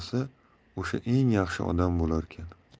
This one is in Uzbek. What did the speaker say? tozalasa o'sha eng yaxshi odam bo'larkan